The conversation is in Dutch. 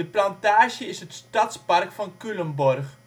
Plantage is het stadspark van Culemborg